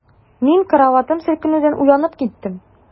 Мин караватым селкенүдән уянып киттем.